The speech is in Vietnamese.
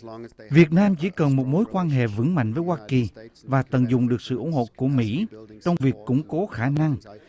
việt nam chỉ cần một mối quan hệ vững mạnh với hoa kỳ và tận dụng được sự ủng hộ của mỹ trong việc củng cố khả năng